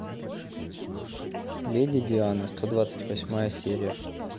леди диана сто двадцать восьмая серия